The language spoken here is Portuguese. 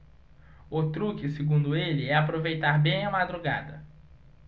o truque segundo ele é aproveitar bem a madrugada